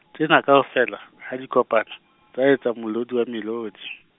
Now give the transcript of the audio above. tsena kaofela, ha di kopana, tsa etsa molodi wa melodi.